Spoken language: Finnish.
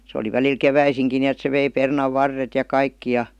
se oli välillä keväisinkin niin että se vei perunanvarret ja kaikki ja